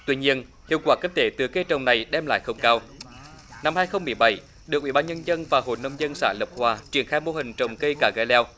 tuy nhiên hiệu quả kinh tế từ cây trồng này đem lại không cao năm hai không mười bảy được ủy ban nhân dân và hộ nông dân xã lập hòa triển khai mô hình trồng cây cà gai leo